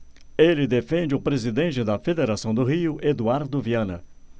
ele defende o presidente da federação do rio eduardo viana